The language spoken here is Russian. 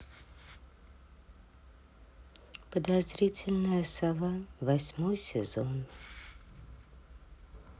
подозрительная сова восьмой сезон